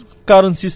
413